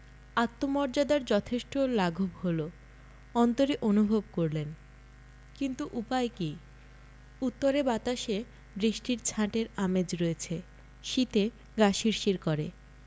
আত্মমর্যাদার যথেষ্ট লাঘব হলো অন্তরে অনুভব করলেন কিন্তু উপায় কি উত্তরে বাতাসে বৃষ্টির ছাঁটের আমেজ রয়েছে শীতে গা শিরশির করে